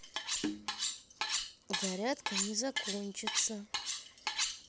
зарядка не закончится